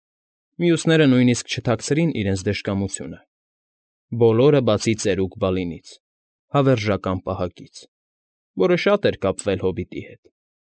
Մյուսները նույնիսկ չթաքցրին իրենց դժկամությունը՝ բոլորը, բացի ծերուկ Բալինից, հավերժական պահակից, որը շատ էր կապվել հոբիտի հետ։